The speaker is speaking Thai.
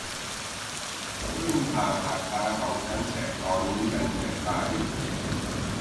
พึ่งผ่าตัดตาสองชั้นเสร็จตอนนี้ยังเจ็บตาอยู่